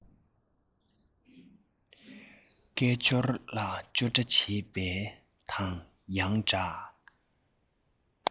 སྐད ཅོར ལ ཅོ འདྲི བྱེད པ དང ཡང འདྲ